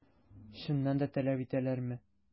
Чыннан да таләп итәләрме?